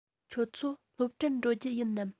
ཁྱོད ཚོ སློབ གྲྭར འགྲོ རྒྱུ ཡིན ནམ